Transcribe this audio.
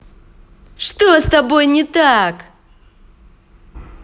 что с тобой не так